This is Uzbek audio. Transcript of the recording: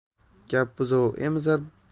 gap buzov emizar